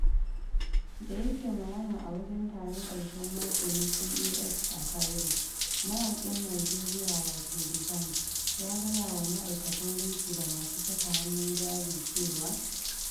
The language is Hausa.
Da yake magana a wajen taron ƙarshen mako na CAX a Cairo, mawaƙin Nijeriya wato D'Banj ya gaya wa ma'aikatan banki da masu saka hannun jari cewa: